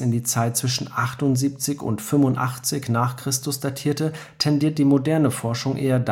die Zeit zwischen 78 und 85 n. Chr. datierte, tendiert die moderne Forschung eher